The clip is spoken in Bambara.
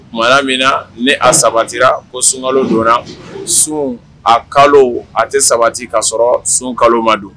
Mara min na ne a sabatira ko sunka donna sun a kalo a tɛ sabati k ka sɔrɔ sun kalo ma don